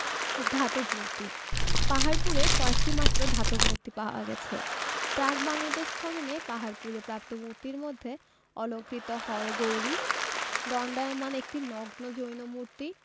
ধাতব মূর্তি পাহাড়পুরে কয়েকটি মাত্র ধাতব মূর্তি পাওয়া গেছে প্রাক বাংলাদেশ খননে পাহাড়পুরে প্রাপ্ত মূর্তির মধ্যে অলঙ্কৃত হরগৌরী দন্ডায়মান একটি নগ্ন জৈন মূর্তি